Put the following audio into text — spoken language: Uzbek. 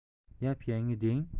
yap yangi deng